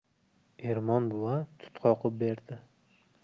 ermon buva tut qoqib berdi